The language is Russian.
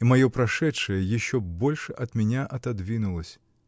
и мое прошедшее еще больше от меня отодвинулось.